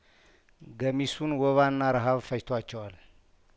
ገሚሱን ወባና ረሀብ ፈጅቷቸዋል